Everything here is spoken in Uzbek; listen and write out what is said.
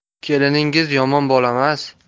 keliningiz yomon bolamas